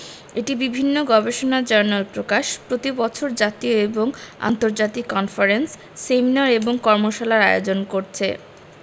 এটি বিভিন্ন গবেষণা জার্নাল প্রকাশ প্রতি বছর জাতীয় এবং আন্তর্জাতিক কনফারেন্স সেমিনার এবং কর্মশালার আয়োজন করছে